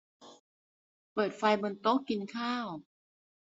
เปิดไฟบนโต๊ะกินข้าว